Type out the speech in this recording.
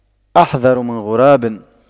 أحذر من غراب